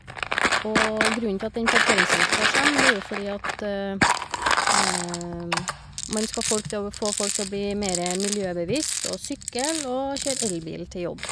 Og grunnen til at den parkeringsvgifta kjem, det er jo fordi at man skal folk til å få folk til å bli mere miljøbevisst og sykle og kjøre elbil til jobb.